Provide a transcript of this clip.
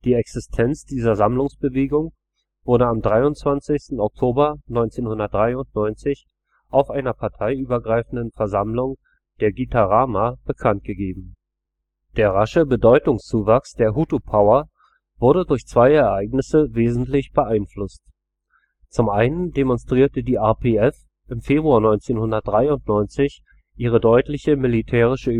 Existenz dieser Sammlungsbewegung wurde am 23. Oktober 1993 auf einer parteiübergreifenden Versammlung in Gitarama bekannt gegeben. Der rasche Bedeutungszuwachs der „ Hutu-Power “wurde durch zwei Ereignisse wesentlich beeinflusst. Zum einen demonstrierte die RPF im Februar 1993 ihre deutliche militärische